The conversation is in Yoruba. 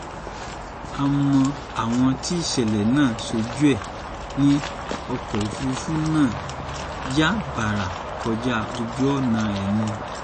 Àmọ́ àwọn tí ìṣẹ̀lẹ̀ náà ṣojú ẹ̀ ní ọkọ̀-òfúrufú náà yà bàrà kọjá ojú-ọ̀nà ẹ ni.